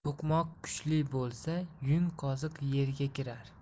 to'qmoq kuchli bo'lsa yung qoziq yerga kirar